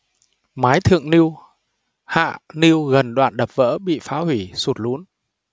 mái thượng lưu hạ lưu gần đoạn đập vỡ bị phá hủy sụt lún